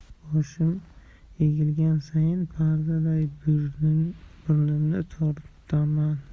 boshim egilgan sayin paydarpay burnimni tortaman